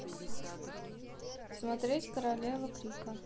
смотреть королева крика